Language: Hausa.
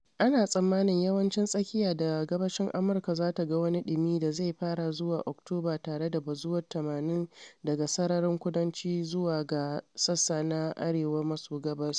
Ana tsammanin yawancin tsakiya da gabashin Amurka za ta ga wani ɗumi da zai fara zuwa Oktoba tare da bazuwar 80s daga Sararin Kudanci zuwa ga sassa na Arewa-maso-gabas.